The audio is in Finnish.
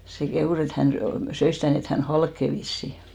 se kehui että hän - söi sitä niin että hän halkeaa vissiin